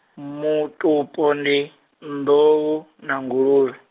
mutupo ndi, nḓou na nguluvhe.